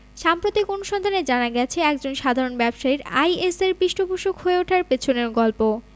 সাম্প্রতিক অনুসন্ধানে জানা গেছে একজন সাধারণ ব্যবসায়ীর আইএসের পৃষ্ঠপোষক হয়ে ওঠার পেছনের গল্প